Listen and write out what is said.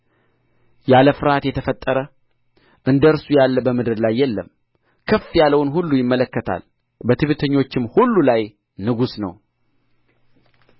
ያለ ፍርሃት የተፈጠረ እንደ እርሱ ያለ በምድር ላይ የለም ከፍ ያለውን ሁሉ ይመለከታል በትዕቢተኞችም ሁሉ ላይ ንጉሥ ነው